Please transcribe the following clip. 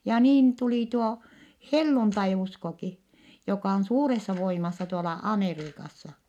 ja niin tuli tuo helluntaiuskokin joka on suuressa voimassa tuolla Amerikassa